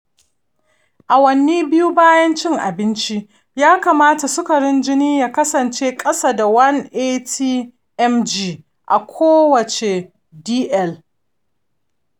awanni biyu bayan cin abinci, ya kamata sukarin jini ya kasance ƙasa da 180 mg a kowace dl